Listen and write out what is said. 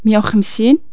ميا او خمسين